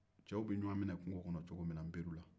cɛw bɛ ɲwan minɛ kungokɔnɔ cogo min na nperu la